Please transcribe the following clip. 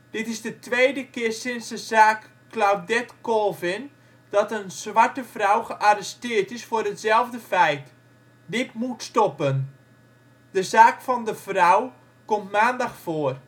Dit is de tweede keer sinds de zaak Claudette Colvin dat een zwarte vrouw gearresteerd is voor hetzelfde feit. Dit moet stoppen. De zaak van de vrouw komt maandag voor